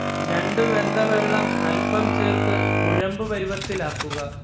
ഞണ്ട് വെന്ത വെള്ളം അൽപം ചേർത്ത് കുഴമ്പ് പരുവത്തിലാക്കുക